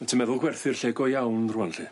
O'n ti'n meddwl gwerthu'r lle go iawn rŵan lly?